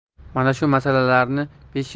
mana shu masalalarni besh